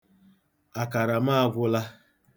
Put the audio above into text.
Akara m agwụla.